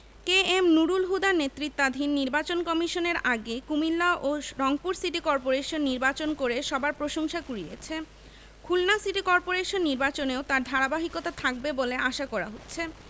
কে M Nurul হুদার নেতৃত্বাধীন নির্বাচন কমিশন এর আগে কুমিল্লা ও রংপুর সিটি করপোরেশন নির্বাচন করে সবার প্রশংসা কুড়িয়েছে খুলনা সিটি করপোরেশন নির্বাচনেও তার ধারাবাহিকতা থাকবে বলে আশা করা হচ্ছে